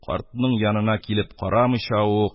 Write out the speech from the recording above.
Картның янына килеп карамыйча ук,